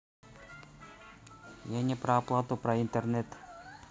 я не про оплату про интернет